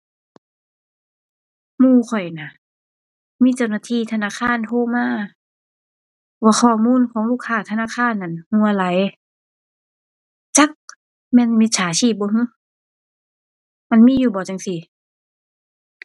หมู่ข้อยน่ะ มีเจ้าหน้าที่ธนาคารโทรมา ว่าข้อมูลของลูกค้าธนาคารนั้นรั่วไหล จักแม่นมิจฉาชีพบ่ฮึ มันมีอยู่บ่จั่งซี้